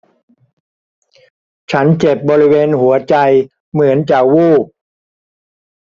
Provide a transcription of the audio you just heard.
ฉันเจ็บบริเวณหัวใจเหมือนจะวูบ